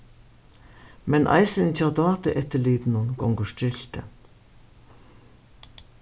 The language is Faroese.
men eisini hjá dátueftirlitinum gongur striltið